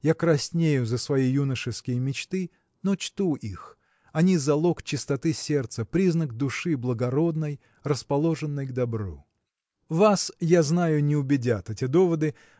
Я краснею за свои юношеские мечты, но чту их они залог чистоты сердца признак души благородной расположенной к добру. Вас, я знаю, не убедят эти доводы